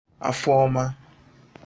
afọọ̄mā